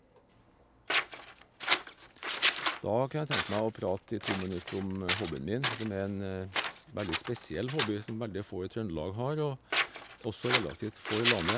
Da kunne jeg tenkt meg å prate i to minutter om hobbyen min, som er en veldig spesiell hobby som veldig få i Trøndelag har, og også relativt få i landet.